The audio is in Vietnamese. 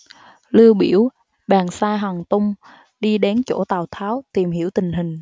lưu biểu bèn sai hàn tung đi đến chỗ tào tháo tìm hiểu tình hình